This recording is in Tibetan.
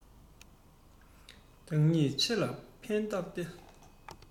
བདག ཉིད ཆེ ལ ཕན བཏགས ན